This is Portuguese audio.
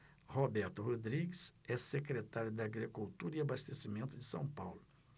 roberto rodrigues é secretário da agricultura e abastecimento de são paulo